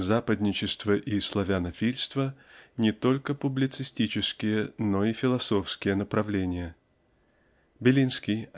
Западничество и славянофильство -- не только публицистические но и философские направления. Белинский